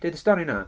Deud y stori yna.